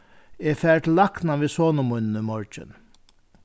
eg fari til læknan við soni mínum í morgin